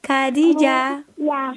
K kaa di diya